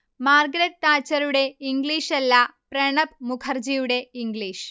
Margaret താച്ചറുടെ ഇംഗ്ലീഷല്ല, പ്രണബ് മുഖർജിയുടെ ഇംഗ്ലീഷ്